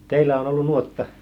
teillä on ollut nuotta